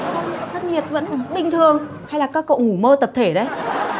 thất nghiệp vẫn bình thường hay là các cậu ngủ mơ tập thể đấy